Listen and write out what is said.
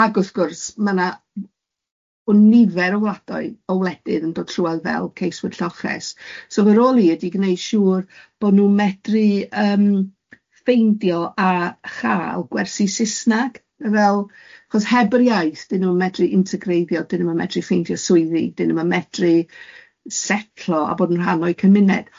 ag wrth gwrs ma' na o nifer o wladoedd o wledydd yn dod trwadd fel ceiswyrlloches, so fy rôl i ydy gwneud siŵr bo' nhw'n medru yym findio a chael gwersi Saesneg fel achos heb yr iaith, dan nhw'm yn medru integreiddio, dan nhw'm yn medru ffindio swyddi, dan nhw'm yn medru setlo a bod yn rhan o'u cymuned.